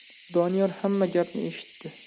doniyor hamma gapni eshitdi